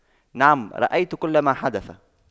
نعم رأيت كل ما حدث